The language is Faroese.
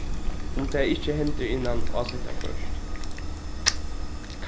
um tað ikki hendir innan ásetta freist